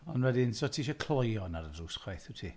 Ond wedyn, so ti eisiau cloion ar y drws chwaith, wyt ti?